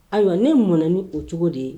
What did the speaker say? Ayiwa ne mɔnɛ ni o cogo de ye